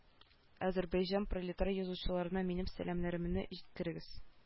Азәрбайҗан пролетар язучыларына минем сәламнәремне җиткерегез